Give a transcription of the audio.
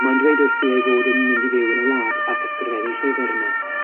Ma'n dweud wrthi ei fod yn mynd i fyw yn y wlad ac ysgrifennu llyfr yna.